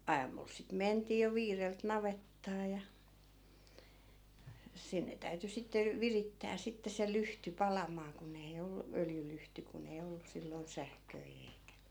aamulla sitten mentiin jo viideltä navettaan ja sinne täytyi sitten virittää sitten se lyhty palamaan kun ei ollut öljylyhty kun ei ollut silloin sähköjä eikä